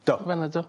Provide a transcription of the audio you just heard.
do eado